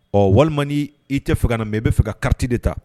Ɔ walima ni i tɛ fɛ ka na i bɛa fɛ ka kariti de ta